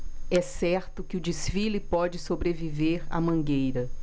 é certo que o desfile pode sobreviver à mangueira